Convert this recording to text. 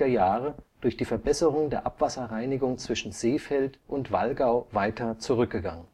Jahre durch die Verbesserung der Abwasserreinigung zwischen Seefeld und Wallgau weiter zurückgegangen